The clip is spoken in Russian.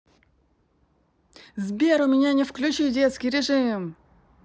сбер у меня не включи детский режим